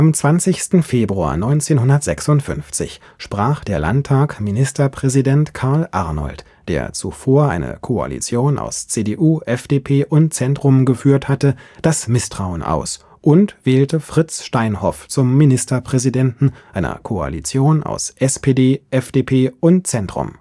20. Februar 1956 sprach der Landtag Ministerpräsident Karl Arnold, der zuvor eine Koalition aus CDU, FDP und Zentrum geführt hatte, das Misstrauen aus und wählte Fritz Steinhoff zum Ministerpräsidenten einer Koalition aus SPD, FDP und Zentrum